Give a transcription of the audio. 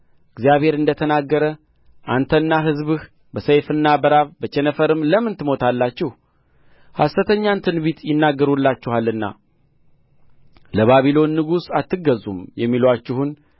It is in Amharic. እግዚአብሔር እንደ ተናገረ አንተና ሕዝብህ በሰይፍና በራብ በቸነፈርም ለምን ትሞታላችሁ ሐሰተኛን ትንቢት ይናገሩላችኋልና ለባቢሎን ንጉሥ አትገዙም የሚሉአችሁን